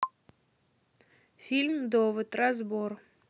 фильм довод разбор